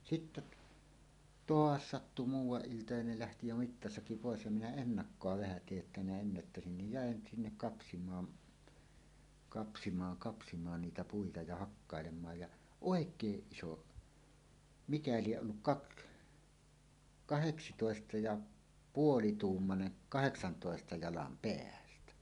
sitten - taas sattui muuan ilta ja ne lähti jo mittasakki pois ja minä ennakkoon vähän tiesin jotta minä ennättäisin niin jään sinne kapsimaan kapsimaan kapsimaan niitä puita ja hakkailemaan ja oikein iso mikä lie ollut - kahdeksantoista ja puolituumainen kahdeksantoista jalan päältä